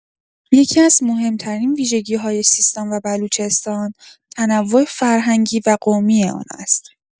یکی‌از مهم‌ترین ویژگی‌های سیستان و بلوچستان، تنوع فرهنگی و قومی آن است.